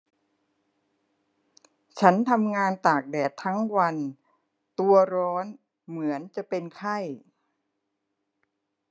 ฉันทำงานตากแดดทั้งวันตัวร้อนเหมือนจะเป็นไข้